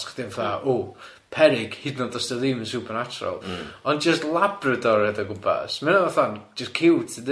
Sa chdi'n fatha o peryg hyd yn oed os dydi o ddim yn supernatural ond jyst labrador yn edo gwmpas ma' hynna fatha jyst cute yndi?